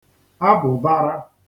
abụ̀bara